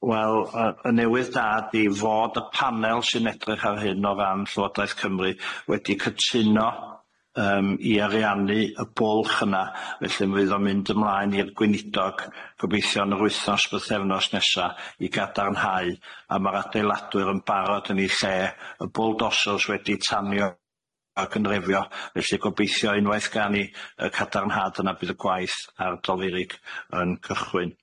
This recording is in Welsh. Wel, yy y newydd da ydi fod y panel sy'n edrych ar hyn o ran Llywodraeth Cymru wedi cytuno, yym i ariannu y bwlch yna felly mi fydd o'n mynd ymlaen i'r gweinidog, gobeithio yn yr wythnos bythefnos nesa i gadarnhau a ma'r adeiladwyr yn barod yn eu lle y bwl dosors wedi tanio ag yn refio felly gobeithio unwaith gawn ni y cadarnhad yna bydd y gwaith ar Dolfeurig yn cychwyn.